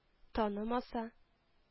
Танымаса